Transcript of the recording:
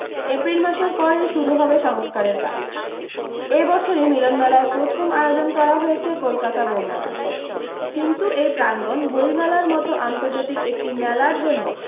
April মাসের পরেই শুরু হবে সংস্কারের কাজ এ বছরৈ মিলনমেলায় প্রথম আয়োজন করা হয়েছে কলকাতা বইমেলার কিন্তু এই প্রাঙ্গন বইমেলার মতো আন্তর্জাতিক একটি মেলার জন্য